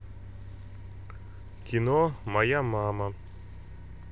кино моя мама